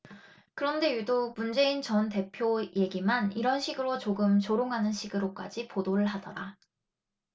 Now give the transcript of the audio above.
그런데 유독 문재인 전 대표 얘기만 이런 식으로 조금 조롱하는 식으로까지 보도를 하더라